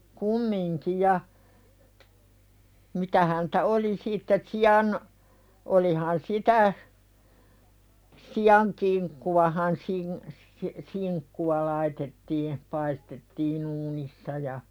kumminkin ja mitä häntä oli sitten sian olihan sitä sian kinkkuahan -- kinkkua laitettiin paistettiin uunissa ja